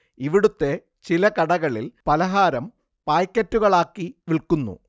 ഇവിടുത്തെ ചില കടകളിൽ പലഹാരം പായ്ക്കറ്റുകളാക്കി വിൽക്കുന്നു